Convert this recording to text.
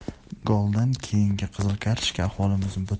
goldan keyingi qizil kartochka